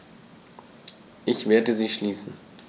Ich werde sie schließen.